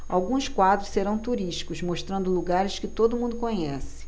alguns quadros serão turísticos mostrando lugares que todo mundo conhece